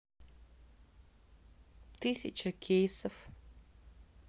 тысяча кейсов